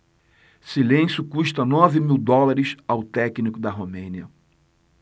silêncio custa nove mil dólares ao técnico da romênia